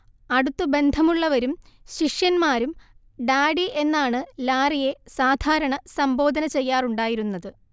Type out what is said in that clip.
അടുത്തു ബന്ധമുള്ളവരും ശിഷ്യന്മാരും ഡാഡി എന്നാണ് ലാറിയെ സാധാരണ സംബോധന ചെയ്യാറുണ്ടായിരുന്നത്